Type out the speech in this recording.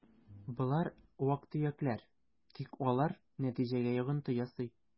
Болар вак-төякләр, тик алар нәтиҗәгә йогынты ясый: